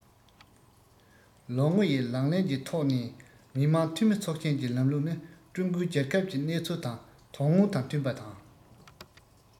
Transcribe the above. ལོ ངོ ཡི ལག ལེན གྱི ཐོག ནས མི དམངས འཐུས མི ཚོགས ཆེན གྱི ལམ ལུགས ནི ཀྲུང གོའི རྒྱལ ཁབ ཀྱི གནས ཚུལ དང དོན དངོས དང མཐུན པ དང